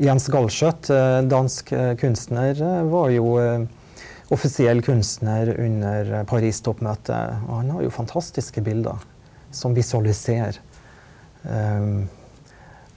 Jens Galschiot dansk kunstner var jo offisiell kunstner under Paris-toppmøtet og han har jo fantastiske bilder som visualiserer